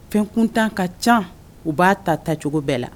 Fɛnkuntan ka ca u b'a ta tacogo bɛɛ la